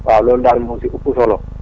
waaw loolu daal moo ci ëpp solo